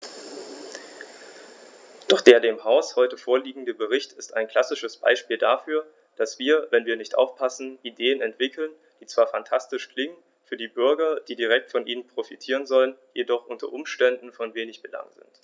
Doch der dem Haus heute vorliegende Bericht ist ein klassisches Beispiel dafür, dass wir, wenn wir nicht aufpassen, Ideen entwickeln, die zwar phantastisch klingen, für die Bürger, die direkt von ihnen profitieren sollen, jedoch u. U. von wenig Belang sind.